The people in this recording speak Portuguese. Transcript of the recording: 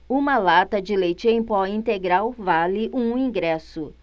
uma lata de leite em pó integral vale um ingresso